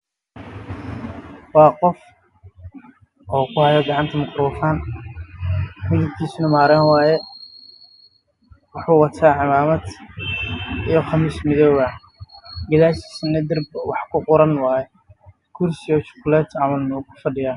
Waa nin wato qamiis cimaamad